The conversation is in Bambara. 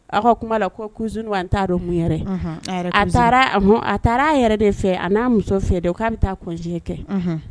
Aw tun b'a la kunz an'a dɔn mun yɛrɛ a a a taara' a yɛrɛ de fɛ a n'a muso fɛ dɛ k ko'a bɛ taa kɔ kɛ